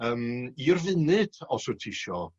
yym i'r funud os wt tisio